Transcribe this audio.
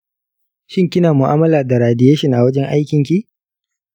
shin kina mu'amala da radiation a wajen akin ki?